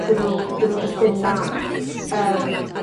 'dyn nw, 'dyn nw jyst ddim 'na, yym